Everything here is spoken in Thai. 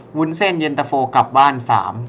วุ้นเส้นเย็นตาโฟกลับบ้านสาม